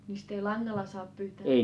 niin sitä ei langalla saa pyytää